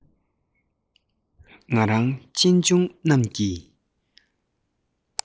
ང རང གཅེན གཅུང རྣམས ཀྱི